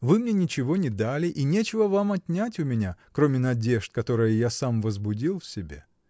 вы мне ничего не дали, и нечего вам отнять у меня, кроме надежд, которые я сам возбудил в себе.